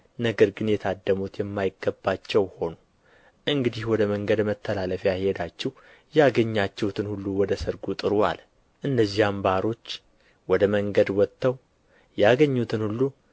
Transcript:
ነገር ግን የታደሙት የማይገባቸው ሆኑ እንግዲህ ወደ መንገድ መተላለፊያ ሄዳችሁ ያገኛችሁትን ሁሉ ወደ ሰርጉ ጥሩ አለ እነዚያም ባሮች ወደ መንገድ ወጥተው ያገኙትን ሁሉ